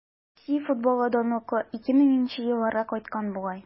Россия футболы данлыклы 2000 нче елларга кайткан бугай.